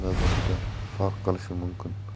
nazaridan farq qilishi mumkin